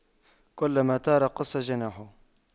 كلما طار قص جناحه